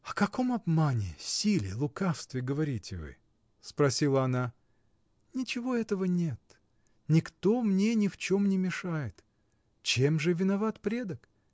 — О каком обмане, силе, лукавстве говорите вы? — спросила она. — Ничего этого нет. Никто мне ни в чем не мешает. Чем же виноват предок?